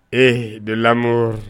Ee den lamɔ